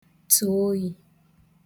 tụ̀ oyī